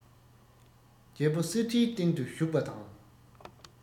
རྒྱལ པོ གསེར ཁྲིའི སྟེང དུ བཞུགས པ དང